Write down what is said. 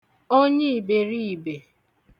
onye ìbèriìbè